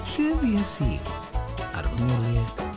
Lle fues i, ar fy ngwyliau?